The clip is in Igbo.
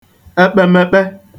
ekemekpe